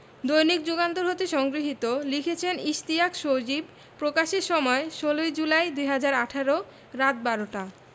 দৈনিক যুগান্তর হতে সংগৃহীত লিখেছেন ইশতিয়াক সজীব প্রকাশের সময় ১৬ই জুলাই ২০১৮ রাত ১২টা